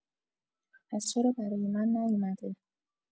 پس چرا برای من نیومده؟!